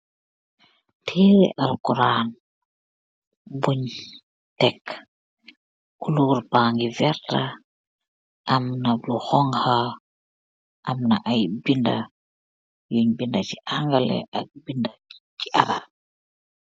Tehreeh al quran bunj teek, kuloor bageih veerta amna bu hougka amna ayyi binda yunj binda ce angaleh ak ce arab.